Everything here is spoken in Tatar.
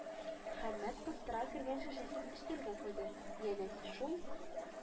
Хәммәт кыстыра кергән шешәсен өстәлгә куйды: янәсе, шул